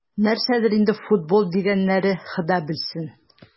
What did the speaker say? Нәрсәдер инде "футбол" дигәннәре, Хода белсен...